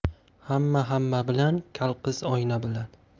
hamma hamma bilan kal qiz oyna bilan